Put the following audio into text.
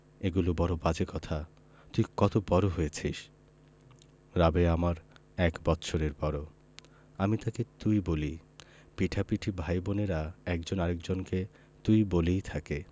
এগুলি বড় বাজে কথা তুই কত বড় হয়েছিস রাবেয়া আমার এক বৎসরের বড় আমি তাকে তুই বলি পিঠাপিঠি ভাই বোনের একজন আরেক জনকে তুই বলেই থাকে